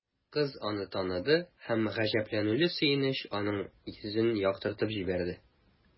Кыз аны таныды һәм гаҗәпләнүле сөенеч аның йөзен яктыртып җибәрде.